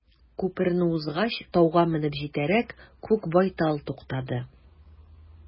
Күперне узгач, тауга менеп җитәрәк, күк байтал туктады.